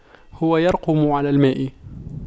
هو يرقم على الماء